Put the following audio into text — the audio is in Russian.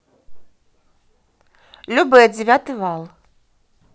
любэ девятый вал